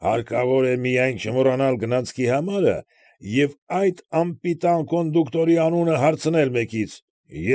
Հարկավոր է միայն չմոռանալ գնացքի համարը և այդ անպիտան կոնդուկտորի անունը հարցնել մեկից։